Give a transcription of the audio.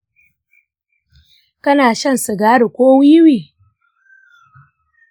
ka na shan sigari ko wiwi?